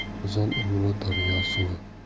inson umri daryo suvi